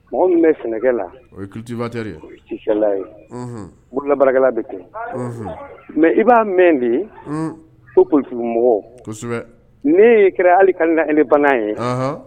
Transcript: Mɔgɔ min bɛ sɛnɛkɛ la, o ye cultivateur ye, bololabaarakɛla de tɛ, unhun, mais i b'a mɛn de, un, ko politikimɔgɔ ne ye kɛra hali candidat indépendant ye, anhan